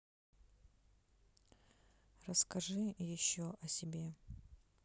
расскажи еще о себе